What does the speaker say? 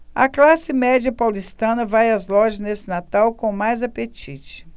a classe média paulistana vai às lojas neste natal com mais apetite